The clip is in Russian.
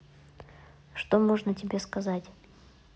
что можно тебе сказать